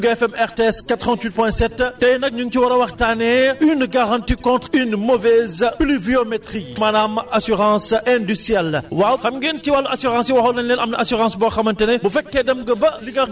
ñeenteelu émission :!fra bu leen seen waa projet bii di ECHO di jagleel yéen baykat yi fii ci Louga FM RTS 88 point 7 tay nag ñu ngi ci waroon waxtaanee une garantie contre une mauvaise pluviométrie maanaam assurance indicelle